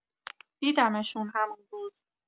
دیدمشون همون روز